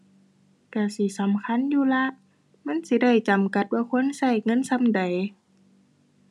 ก็สิสำคัญอยู่ล่ะ มันสิได้จำกัดว่าควรก็เงินส่ำใด